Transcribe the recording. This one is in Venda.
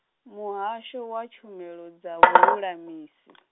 Muhasho wa Tshumelo dza Vhululamisi.